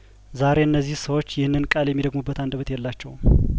ዛሬ እነዚህ ሰዎች ይህንን ቃል የሚደግሙበት አንደበት የላቸውም